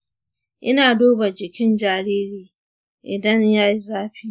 ina duba jikin jariri idan ya yi zafi.